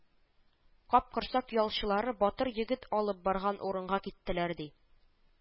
Капкорсак ялчылары батыр егет алып барган урынга киттеләр, ди